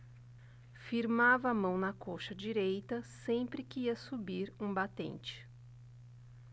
firmava a mão na coxa direita sempre que ia subir um batente